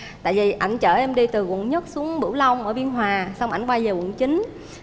tại vì ảnh chở em đi từ quận nhất xuống bửu long ở biên hòa xong ảnh quay về quận chín